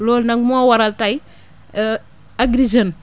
loolu nag moo waral tey Agri Jeunes